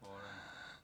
olen